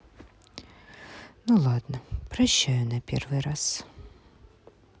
ну ладно прощаю на первый раз